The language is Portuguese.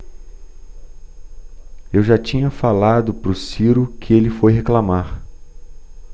eu já tinha falado pro ciro que ele foi reclamar